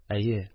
Әйе.